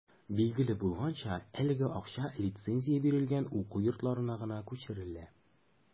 Билгеле булганча, әлеге акча лицензия бирелгән уку йортларына гына күчерелә.